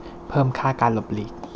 เพิ่มค่าการหลบหลีก